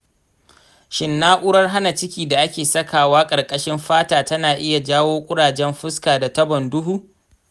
shin na’urar hana ciki da ake sakawa ƙarƙashin fata tana iya jawo kurajen fuska da tabon duhu ?